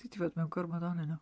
Dwi di bod mewn gormod ohonyn nhw.